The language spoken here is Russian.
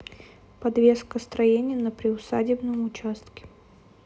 подсветка строения на приусадебном участке